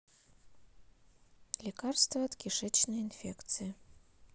лекарство от кишечной инфекции